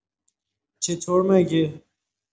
چطور مگه؟